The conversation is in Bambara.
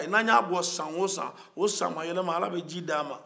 n'a y'a bɔ san o san o san yɛlɛ man ala bɛ ji di anw man